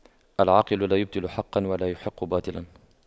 العاقل لا يبطل حقا ولا يحق باطلا